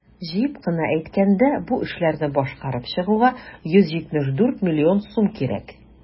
Җыеп кына әйткәндә, бу эшләрне башкарып чыгуга 174 млн сум кирәк.